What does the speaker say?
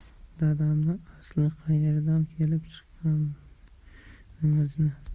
dadamni asli qayerdan kelib chiqqanimizni